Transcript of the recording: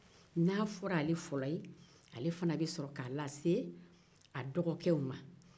n'a fɔra ale fɔlɔ ale fana bɛ sɔrɔ k'a lase a dɔgɔkɛw ma